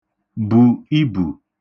bù ibù